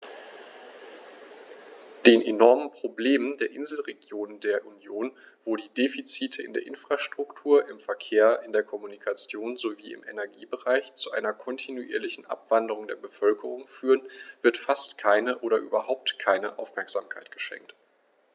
Den enormen Problemen der Inselregionen der Union, wo die Defizite in der Infrastruktur, im Verkehr, in der Kommunikation sowie im Energiebereich zu einer kontinuierlichen Abwanderung der Bevölkerung führen, wird fast keine oder überhaupt keine Aufmerksamkeit geschenkt.